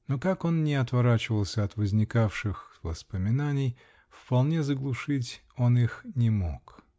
Но как он не отворачивался от возникавших воспоминаний, вполне заглушить он их не мог.